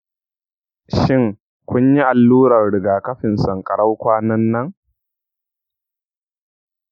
shin kun yi allurar rigakafin sankarau kwanan nan?